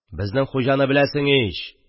– безнең хуҗаны беләсең ич